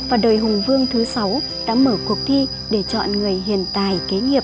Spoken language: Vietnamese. vào đời hùng vương thứ đã mở cuộc thi để chọn người hiền tài kế nghiệp